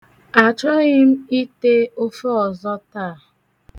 Achọghị m ite ofe ozo taa.